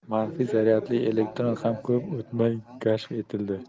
manfiy zaryadli elektron ham ko'p o'tmay kashf etildi